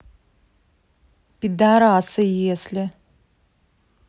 пидарасы если